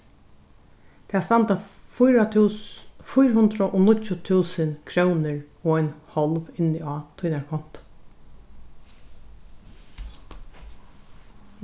tað standa fýra fýra hundrað og níggju túsund krónur og ein hálv inni á tínari kontu